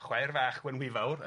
chwaer fach Gwenhwyfawr... Ia...